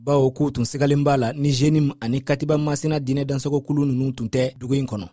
bawo u tun sigalen b'a la ni jnim ani katiba masina diinɛ dansagonwalekulu ninnu tun tɛ dugu in kɔnɔ